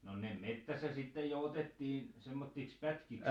no ne metsässä sitten jo otettiin semmoisiksi pätkiksi